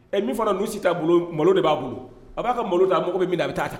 Ɛ min fana ninnu si t'a bolo malo de b'a bolo, a b'a ka malo da mago bɛ min na a bɛ taa a ta